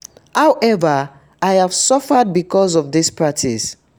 However, I have suffered because of this practice.